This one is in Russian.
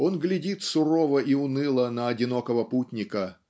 он глядит сурово и уныло на одинокого путника